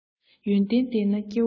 ཡོན ཏན ལྡན ན སྐྱེ བོ ཀུན